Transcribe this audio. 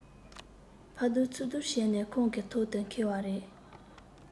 ཕར སྡུར ཚུར སྡུར བྱས ནས ཁོང གི ཐོག ཏུ འཁེལ བ རེད